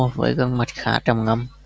với gương mặt khá trầm ngâm